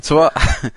T'mo'?